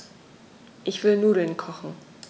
Ich will Nudeln kochen.